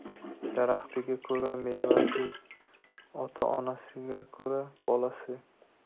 daraxtiga ko'ra mevasi ota onasiga ko'ra bolasi